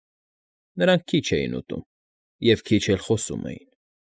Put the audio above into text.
Նրանք քիչ էին ուտում և քիչ էլ խոսում էին։